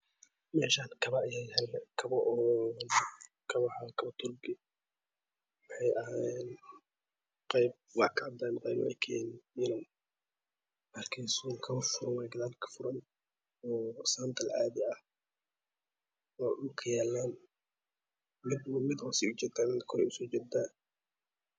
Meeshaan kabo ayaa yaalo waana kabo turki ah qayb way ka cadyihiin qaybna waykara madowyiin waa kabo suunka gadaake u furan oo saan dal caadi ah oo dhulka yaalaan mid way sii joodaa midna korey usiijodaa